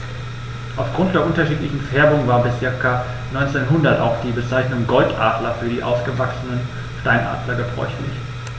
Auf Grund der unterschiedlichen Färbung war bis ca. 1900 auch die Bezeichnung Goldadler für ausgewachsene Steinadler gebräuchlich.